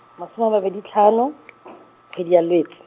masoma a mabedi tlhano , kgwedi ya Lwets-.